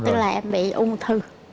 tức là em bị ung thư